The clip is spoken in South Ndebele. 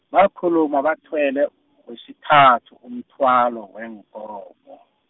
bakhuluma bathwele, wesithathu umthwalo weenkomo.